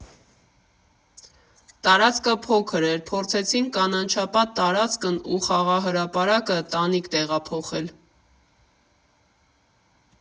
Տարածքը փոքր էր, փորձեցինք կանաչապատ տարածքն ու խաղահրապարակը տանիք տեղափոխել։